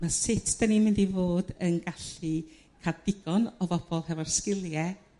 ma' sut 'dan ni'n mynd i fod yn gallu ca'l digon o bobol hefo'r sgilie